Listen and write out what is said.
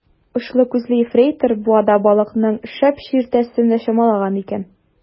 Очлы күзле ефрейтор буада балыкның шәп чиертәсен дә чамалаган икән.